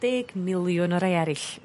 deg miliwn o rai eryll